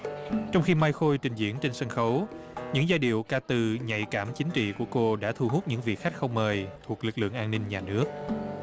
trong khi mai khôi trình diễn trên sân khấu những giai điệu ca từ nhạy cảm chính trị của cô đã thu hút những vị khách không mời thuộc lực lượng an ninh nhà nước